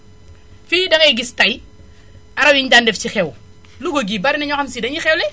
fii dangay gis tay araw yi ñu daan def ci xew Louga gii bari na ñoo xam si dañuy xewle